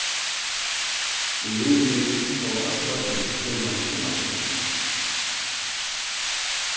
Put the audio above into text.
í juni fáa øll børnini í skúlanum summarferiu